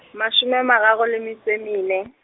mashome a mararo le metso e mene.